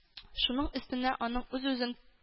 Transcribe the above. Шуның өстенә, аның үз-үзен